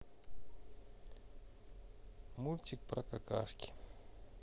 мультик про какашки